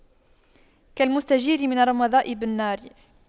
كالمستجير من الرمضاء بالنار